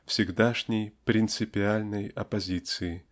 всегдашней "принципиальной" оппозиции